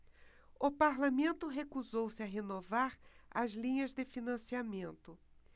o parlamento recusou-se a renovar as linhas de financiamento